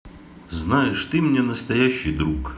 знаешь ты мне настоящий друг